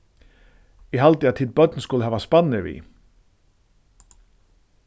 eg haldi at tit børn skulu hava spannir við